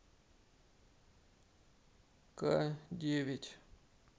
ка девять